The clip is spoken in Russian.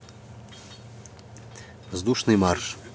воздушный марш